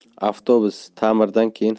avtobus ta'mirdan keyin